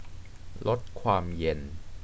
ลดความเย็น